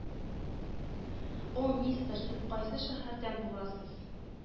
О, мистер, сез кайсы шәһәрдән буласыз?